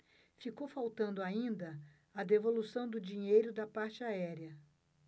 ficou faltando ainda a devolução do dinheiro da parte aérea